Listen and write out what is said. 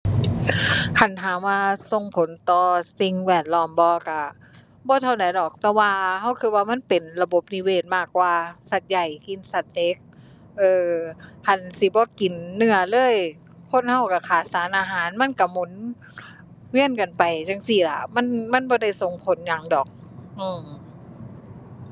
คันถามว่าส่งผลต่อสิ่งแวดล้อมบ่ ก็บ่เท่าใดดอก แต่ว่าก็ก็ว่ามันเป็นระบบนิเวศมากกว่า สัตว์ใหญ่กินสัตว์เล็ก เอ้อ คันสิบ่กินเนื้อเลยคนก็ก็ขาดสารอาหาร มันก็หมุนเวียนกันไปจั่งซี้ล่ะ มัน มันบ่ได้ส่งผลหยังดอก อื้อ